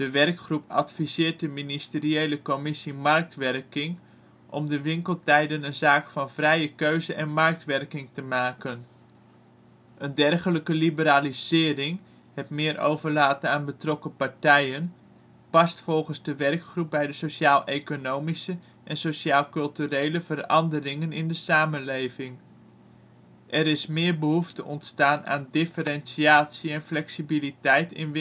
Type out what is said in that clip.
werkgroep adviseert de Ministeriële Commissie Marktwerking om de winkeltijden een zaak van vrije keuze en marktwerking te maken. Een dergelijke liberalisering, het meer overlaten aan betrokken partijen, past volgens de werkgroep bij de sociaal-economische en sociaal-culturele veranderingen in de samenleving. Er is meer behoefte ontstaan aan differentiatie en flexibiliteit in